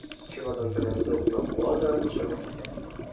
Чемодан белән зонтны ала да чыгып китә.